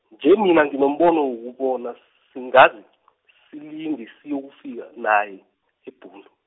nje mina nginombono wakobona singaze , silinge siyokufika naye, eBhundu.